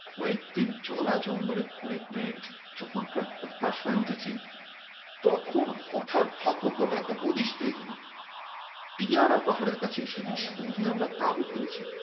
কয়েকদিন জলা জঙ্গলে ঘুরে ঘুরে যখন প্রায় হতাশ হয়ে উঠেছি তখন হঠাৎ ভাগ্যক্রমে একটা হদিস পেয়ে গেলাম টিয়ারা পাহাড়ের কাছে সেদিন সন্ধ্যায় আমরা তাবু ফেলেছি